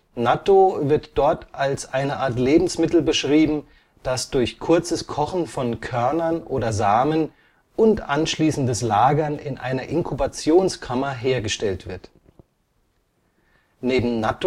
Nattō wird dort als eine Art Lebensmittel beschrieben, das durch kurzes Kochen von Körnern oder Samen und anschließendes Lagern in einer Inkubationskammer hergestellt wird. Neben Nattō